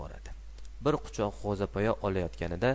bir quchoq g'o'zapoya olayotganida